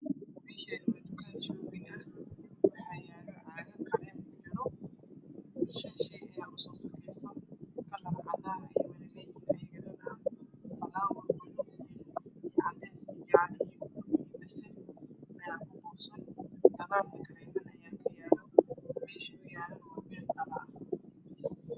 Meeshaan waa tukaan shoobin ah waxaa yaalo caagad kareem kujiro. Shan shay ayaa u soosukeyso kalar cadaan ah ayay wada leeyihiin. falaawar cadaan iyo cadeys iyo buluug iyo basali ah ayaa saaran gadaalna waxaa yaalo kareemo. Meesha uu yaalo waa meel dholo ah.